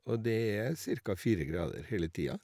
Og det er cirka fire grader hele tida.